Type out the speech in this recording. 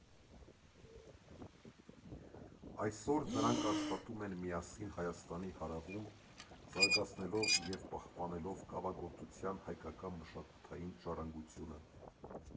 Այսօր նրանք աշխատում են միասին Հայաստանի հարավում՝ զարգացնելով և պահպանելով կավագործության հայկական մշակութային ժառանգությունը։